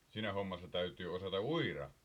siinä hommassa täytyy osata uida